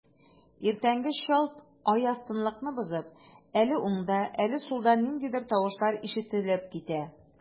Иртәнге чалт аяз тынлыкны бозып, әле уңда, әле сулда ниндидер тавышлар ишетелеп китә.